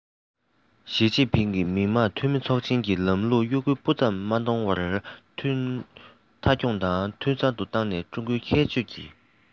ཞིས ཅིན ཕིང གིས མི དམངས འཐུས མི ཚོགས ཆེན གྱི ལམ ལུགས གཡོ འགུལ སྤུ ཙམ མི གཏོང བར མཐའ འཁྱོངས དང འཐུས ཚང དུ བཏང ནས ཀྲུང གོའི ཁྱད ཆོས ཀྱི